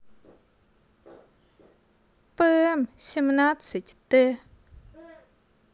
пм семнадцать т